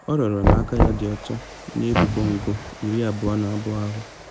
Ọ rịọla na aka ya dị ọcha n’ebubo ngụ-22 ahụ.